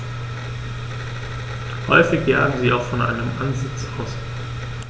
Häufig jagen sie auch von einem Ansitz aus.